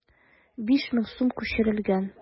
5000 сум күчерелгән.